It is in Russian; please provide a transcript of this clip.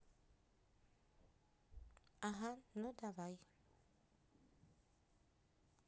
ага ну давай